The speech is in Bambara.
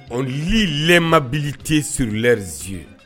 Li mab tɛ s riz